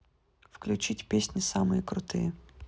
включить песни самые крутые